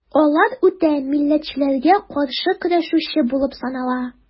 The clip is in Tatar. Алар үтә милләтчеләргә каршы көрәшүче булып санала.